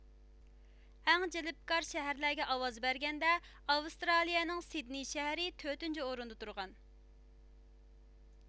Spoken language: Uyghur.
ئەڭ جەلپكار شەھەرلەرگە ئاۋاز بەرگەندە ئاۋىسترالىيىنىڭ سېدنىي شەھىرى تۆتىنچى ئورۇندا تۇرغان